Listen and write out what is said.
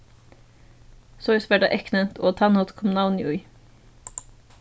soleiðis varð tað eyknevnt og á tann hátt kom navnið í